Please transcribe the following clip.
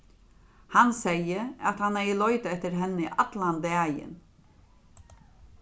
hann segði at hann hevði leitað eftir henni allan dagin